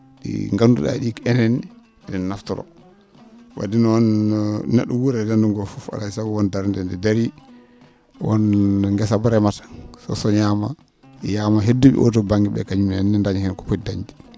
nganndu?aa ?i enen enen naftoro wadde noon no ne??o wuuro e renndo ngo fof alaa e sago woon darde nde daari woon ngesa mbaa remata so soñaama yiyaama hoddu?e oto ba?nge ?e kañummenne daña heen ko poti dañde